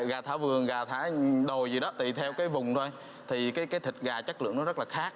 gà thả vườn gà thả đồi gì đó tùy theo cái vùng thôi thì thì cái thịt gà chất lượng nó rất là khác